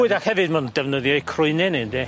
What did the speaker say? Bwyd ac hefyd ma'n defnyddio eu crwyne 'ne ynde?